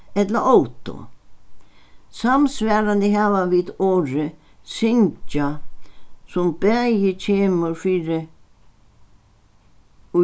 ella ótu samsvarandi hava vit orðið syngja sum bæði kemur fyri